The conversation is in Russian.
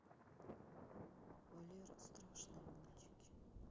валера страшные мультики